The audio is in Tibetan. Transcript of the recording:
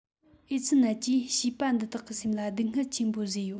ཨེ ཙི ནད ཀྱིས བྱིས པ འདི དག གི སེམས ལ སྡུག བསྔལ ཆེན པོ བཟོས ཡོད